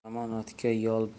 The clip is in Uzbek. yomon otga yoi